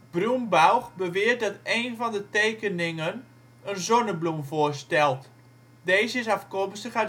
Brumbaugh beweert dat een van de tekeningen een zonnebloem voorstelt. Deze is afkomstig